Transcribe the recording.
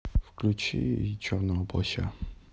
включи черного плаща